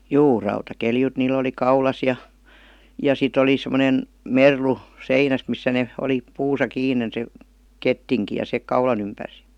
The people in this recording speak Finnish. juu rautaketjut niillä oli kaulassa ja ja sitten oli semmoinen merlu seinässä missä ne oli puussa kiinni se kettinki ja se kaulan ympäri